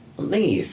O wneith.